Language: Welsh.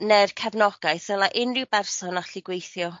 neu'r cefnogaeth ddyla unryw berson allu gweithio.